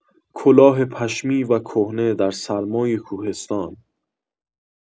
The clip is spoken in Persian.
کلاه پشمی و کهنه در سرمای کوهستان